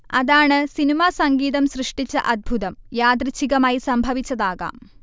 അതാണ് സിനിമാസംഗീതം സൃഷ്ടിച്ച അദ്ഭുതം യാദൃച്ഛികമായി സംഭവിച്ചതാകാം